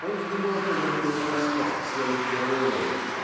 Он внимателен и ласков к своим героям